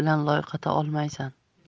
bilan loyqata olmaysan